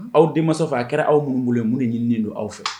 Aw denmasaw fɛ a kɛra aw minnu bolo ye mun de ɲininen don aw fɛ